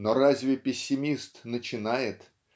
но разве пессимист начинает